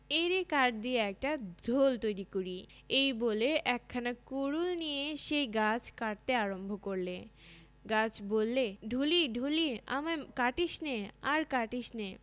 এরই কাঠ দিয়ে একটা ঢোল তৈরি করি এই বলে একখানা কুডুল নিয়ে সেই গাছ কাটতে আরম্ভ করলে গাছ বললে ঢুলি ঢুলি আমায় কাটিসনে আর কাটিসনে